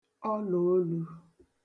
ọlàolū